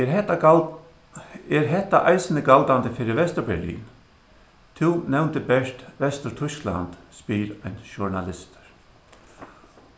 er hetta er hetta eisini galdandi fyri vesturberlin tú nevndi bert vesturtýskland spyr ein journalistur